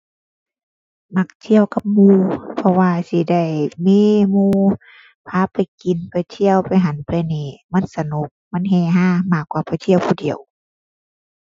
มักเที่ยวกับหมู่ เพราะว่าสิได้มีหมู่พาไปกิน ไปเที่ยว ไปหั้น ไปนี้ มันสนุกมันเฮฮามากกว่าไปเที่ยวผู้เดียว